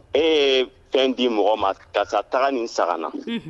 E fɛn di mɔgɔ ma kasa taga nin san na